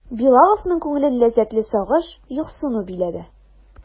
Билаловның күңелен ләззәтле сагыш, юксыну биләде.